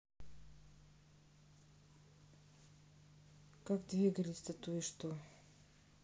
как двигались статуи что